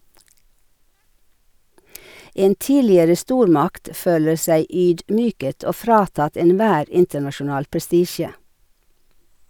En tidligere stormakt føler seg ydmyket og fratatt enhver internasjonal prestisje.